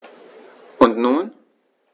Und nun?